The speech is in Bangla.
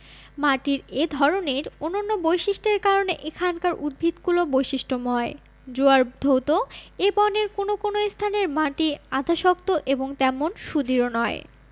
মাটির এ ধরনের অনন্য বৈশিষ্ট্যের কারণে এখানকার উদ্ভিদকুলও বৈশিষ্ট্যময় জোয়ারধৌত এ বনের কোন কোন স্থানের মাটি আধাশক্ত এবং তেমন সুদৃঢ় নয়